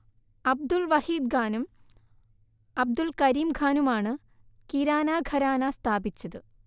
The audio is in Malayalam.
അബ്ദുൽ വഹീദ്ഖാനും അബ്ദുൽ കരീംഖാനുമാണ് കിരാന ഘരാന സ്ഥാപിച്ചത്